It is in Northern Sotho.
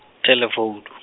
telefounu.